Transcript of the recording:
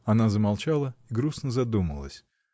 Она замолчала и грустно задумалась.